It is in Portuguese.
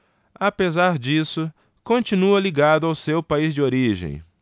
apesar disso continua ligado ao seu país de origem